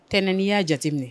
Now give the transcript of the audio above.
Tɛnɛn n'i y'a jateminɛ